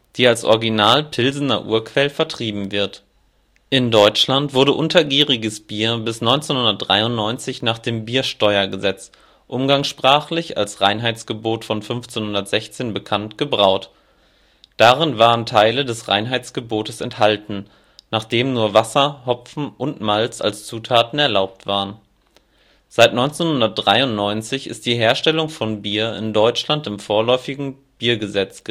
die als Original Pilsner Urquell vertrieben wird. In Deutschland wurde untergäriges Bier bis 1993 nach dem Biersteuergesetz, umgangssprachlich als Reinheitsgebot von 1516 bekannt, gebraut. Darin waren Teile des Reinheitsgebotes enthalten, nach dem nur Wasser, Hopfen, und Malz (und Hefe) als Zutaten erlaubt waren. Seit 1993 ist die Herstellung von Bier in Deutschland im vorläufigen Biergesetz